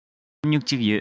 སྐམ སྨྱུག གཅིག ཡོད